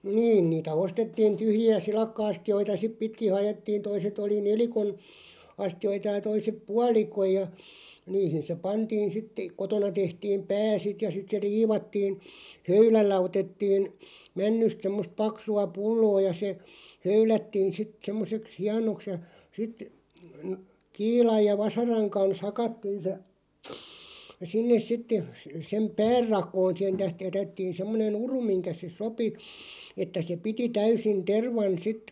niin niitä ostettiin tyhjiä silakka-astioita sitten pitkin haettiin toiset oli nelikon astioita ja toiset puoli ja niihin se pantiin sitten kotona tehtiin pää sitten ja sitten se riivattiin höylällä otettiin männystä semmoista paksua pulloa ja se höylättiin sitten semmoiseksi hienoksi ja sitten - kiilan ja vasaran kanssa hakattiin se sinne sitten - sen pään rakoon siihen - jätettiin semmoinen uru minkä se sopi että se piti täysin tervan sitten